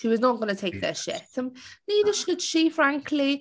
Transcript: She was not going to take their shit and neither should she frankly.